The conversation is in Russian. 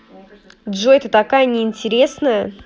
джой ты такая неинтересная